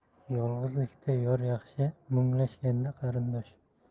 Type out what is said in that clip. yolg'izlikda yor yaxshi munglashganda qarindosh